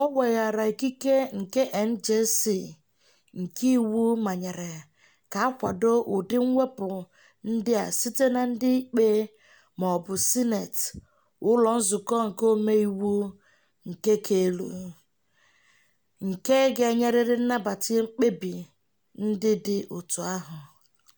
O weghaara ikike nke NJC nke iwu manyere ka a kwado ụdị mwepụ ndị a site na ndị ikpe ma ọ bụ Sineeti (ụlọ nzukọ ndị omeiwu nke ka elu) nke ga-enyerịrị nnabata mkpebi ndị dị otu ahụ.